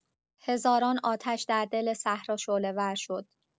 هزاران آتش در دل صحرا شعله‌ور شد.